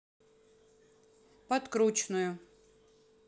подкручную